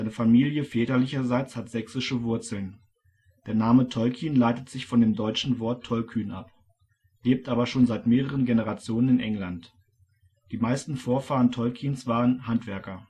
Familie väterlicherseits hat sächsische Wurzeln (der Name Tolkien leitet sich von dem deutschen Wort tollkühn ab), lebt aber schon seit mehreren Generationen in England. Die meisten Vorfahren Tolkiens waren Handwerker